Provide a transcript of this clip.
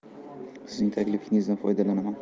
sizning taklifingizdan foydalanaman